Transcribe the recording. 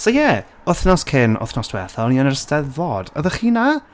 So ie, wythnos cyn wythnos diwetha, o'n i yn yr Eisteddfod. Oeddech chi 'na?